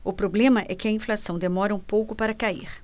o problema é que a inflação demora um pouco para cair